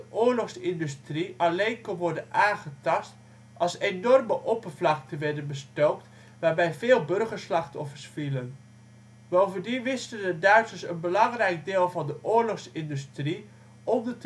oorlogsindustrie alleen kon worden aangetast als enorme oppervlakten werden bestookt waarbij veel burgerslachtoffers vielen. Bovendien wisten de Duitsers een belangrijk deel van de oorlogsindustrie onder